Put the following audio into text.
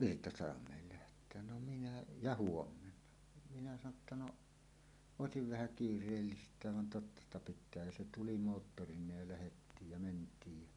Virtasalmelle lähteä no minä ja huomenna minä sanoin jotta no olisi vähän kiireellistäkin vaan totta sitä pitää ja se tuli - moottoreineen ja lähettiin ja mentiin ja